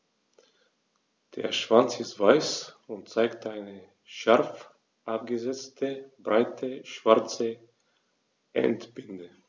Der Schwanz ist weiß und zeigt eine scharf abgesetzte, breite schwarze Endbinde.